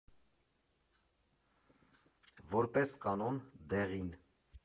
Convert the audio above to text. Որպես կանոն՝ դեղին։